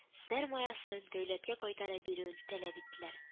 Сәрмаясын дәүләткә кайтарып бирүен таләп иттеләр